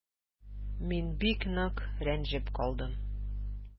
Мин бик нык рәнҗеп калдым.